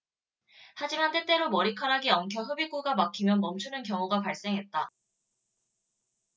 하지만 때때로 머리카락이 엉켜 흡입구가 막히면 멈추는 경우가 발생했다